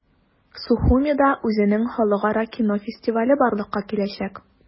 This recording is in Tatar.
Сухумида үзенең халыкара кино фестивале барлыкка киләчәк.